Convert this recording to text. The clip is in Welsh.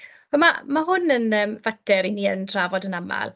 Wel ma' ma' hwn yn yym fater 'y ni yn trafod yn aml.